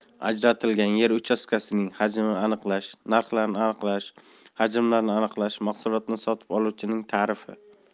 ajratilgan yer uchastkasining hajmini aniqlash narxlarni aniqlash hajmlarni aniqlash mahsulotni sotib oluvchining ta'rifi